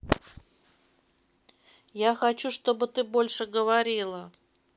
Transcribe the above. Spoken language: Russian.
я хочу чтобы ты больше говорила